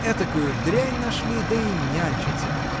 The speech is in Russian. — Этакую дрянь нашли, да и нянчатся!